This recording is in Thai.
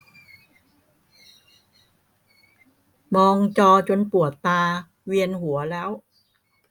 มองจอจนปวดตาเวียนหัวแล้ว